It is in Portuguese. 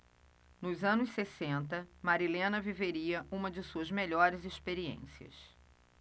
nos anos sessenta marilena viveria uma de suas melhores experiências